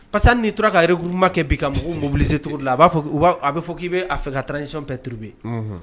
Pasa n'i tora ka regroupement kɛ bi ka mɔgɔw mobiliser cogo dɔ la a b'a fɔ a bɛ fɔ k'i bɛ a fɛ ka transition perturber unhun